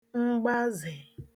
mgbazè